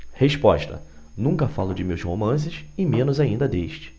resposta nunca falo de meus romances e menos ainda deste